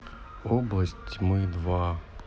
область тьмы два